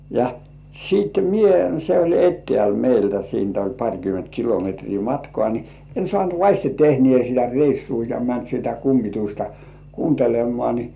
ja sitten minä se oli etäällä meiltä siitä oli parikymmentä kilometriä matkaa niin en saanut vasten tehneen sitä reissua ja mennyt sitä kummitusta kuuntelemaan niin